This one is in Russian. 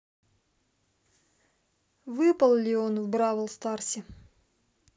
выпал леон в бравл старсе